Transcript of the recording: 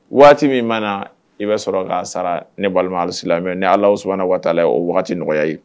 Waati min mana na i bɛ sɔrɔ k'a sara ne walimamu alisi mɛ ni ala s waati o waati nɔgɔyaya ye